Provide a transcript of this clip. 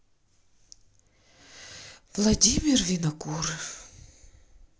владимир винокур